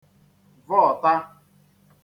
vọ̀ọta